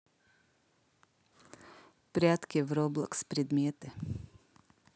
прятки в роблокс предметы